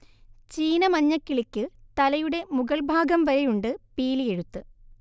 ചീന മഞ്ഞക്കിളിക്ക് തലയുടെ മുകൾഭാഗം വരെയുണ്ട് പീലിയെഴുത്ത്